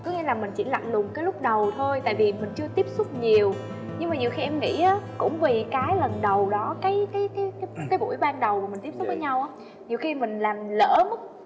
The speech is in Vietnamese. có nghĩa là mình chỉ lạnh lùng lúc đầu thôi tại vì mình chưa tiếp xúc nhiều nhưng mà nhiều khi em nghĩ á cũng vì cái lần đầu đó cái cái cái cái buổi ban đầu mà mình tiếp xúc với nhau á nhiều khi mình làm lỡ mất